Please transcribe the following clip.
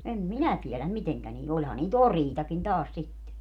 en minä tiedä miten niillä olihan niitä oriitakin taas sitten